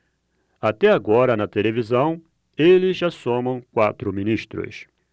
até agora na televisão eles já somam quatro ministros